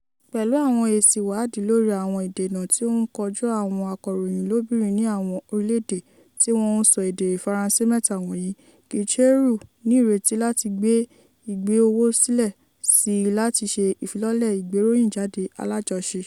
Pẹ̀lú àwọn èsì ìwádìí lórí àwọn ìdènà tí ó ń kojú àwọn akọ̀ròyìn lóbìnrin ní àwọn orílẹ́ èdè tí wọn ń sọ èdè Faransé mẹ́ta wọ̀nyí, Gicheru ní ìrètí láti gbé ìgbéowósílẹ̀ sii láti ṣe ìfilọ́lẹ̀ ìgbéròyìnjáde alájọṣe.